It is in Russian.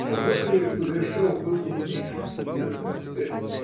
Давно ли Кудряшов был беднейшим студентом, а теперь